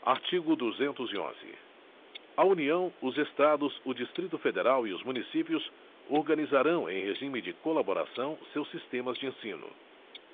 artigo duzentos e onze a união os estados o distrito federal e os municípios organizarão em regime de colaboração seus sistemas de ensino